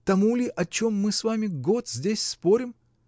Тому ли, о чем мы с вами год здесь спорим?